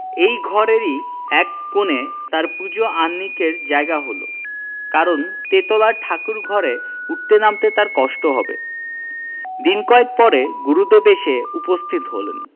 এই ঘরেরই এক কোণে তাঁর পূজো আহ্নিকের জায়গা হলো কারণ তেতলার ঠাকুরঘরে উঠতে নামতে তাঁর কষ্ট হবে দিন কয়েক পরে গুরুদেব এসে উপস্থিত হলেন